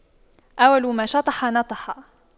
أول ما شطح نطح